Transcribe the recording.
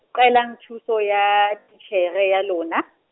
qelang thuso ya titjhere ya lona.